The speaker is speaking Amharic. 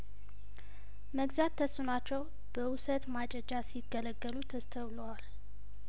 መግዛት ተስኗቸው በው ሰት ማጨጃ ሲገለገሉ ተስተውለዋል